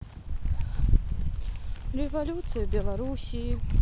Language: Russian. революция в белоруссии